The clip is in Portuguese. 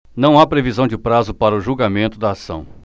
não há previsão de prazo para o julgamento da ação